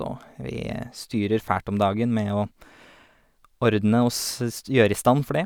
Og vi styrer fælt om dagen med å ordne og sest gjøre i stand for det.